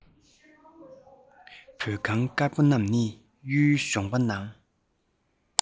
བོད ཁང དཀར པོ རྣམས ནི གཡུའི གཞོང པའི ནང